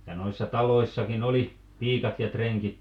ja noissa taloissakin oli piiat ja rengit